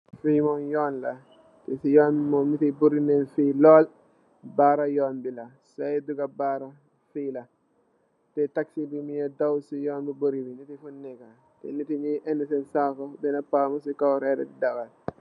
Li momm yun layuun teh si yun bi neeti bari neen fi lool barra yuun bi la choi doga barra fila fi taxi bi mogeh daw si yuun bi teh niti nyugi enu sen saku teh bena pa mum si kaw raiderdi dawal.